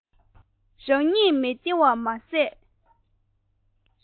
རང ཉིད མི བདེ བ མ ཟད